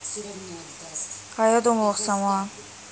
а я думал сама